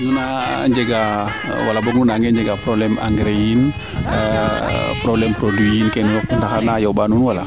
nu naanga jega wal boog nu naange jegaa probleme engrais yiin probleme produit keene fop ana yomba nuun wala